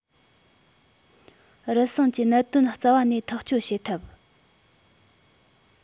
རུལ སུངས ཀྱི གནད དོན རྩ བ ནས ཐག གཅོད བྱེད ཐུབ